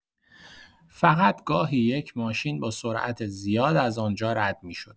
فقط گاهی یک ماشین با سرعت زیاد از آن‌جا رد می‌شد.